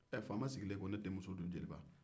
ɛɛ faama sigilen ko ne denmuso dun jeliba